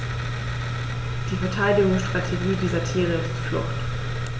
Die Verteidigungsstrategie dieser Tiere ist Flucht.